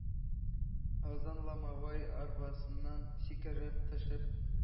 Озын ломовой арбасыннан сикереп төшеп,